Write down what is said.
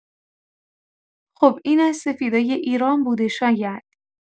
خب این از سفیدای ایران بوده شاید!